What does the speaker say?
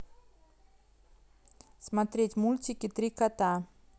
смотреть мультики три кота